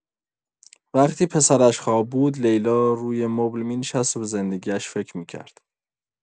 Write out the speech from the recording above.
وقتی پسرش خواب بود، لیلا روی مبل می‌نشست و به زندگی‌اش فکر می‌کرد.